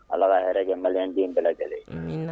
Ala ka hɛrɛ kɛ Malien den bɛɛ lajɛlen ye. Amina.